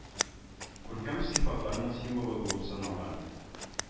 Күркәм сыйфатларның символы булып саналган